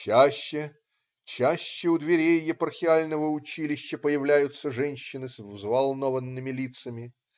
Чаще, чаще у дверей Епархиального училища появляются женщины с взволнованными лицами.